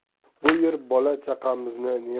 bu yer bola chaqamizni